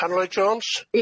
Pan-loi Jones.